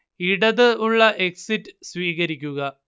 ഇടത് ഉള്ള എക്സിറ്റ് സ്വീകരിക്കുക